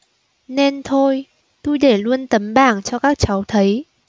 nên thôi tui để luôn tấm bảng cho các cháu thấy